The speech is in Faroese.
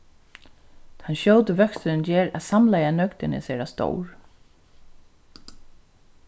tann skjóti vøksturin ger at samlaða nøgdin er sera stór